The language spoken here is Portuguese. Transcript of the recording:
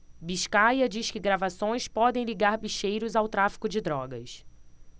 biscaia diz que gravações podem ligar bicheiros ao tráfico de drogas